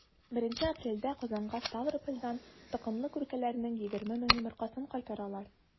1 апрельдә казанга ставропольдән токымлы күркәләрнең 20 мең йомыркасын кайтаралар.